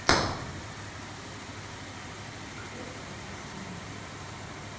клипы в машину